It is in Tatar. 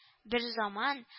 Берзаман